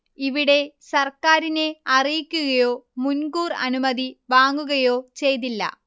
ഇവിടെ സർക്കാരിനെ അറിയിക്കുകയോ മുൻകൂർ അനുമതി വാങ്ങുകയോ ചെയ്തില്ല